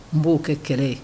N b'o kɛ kɛlɛ ye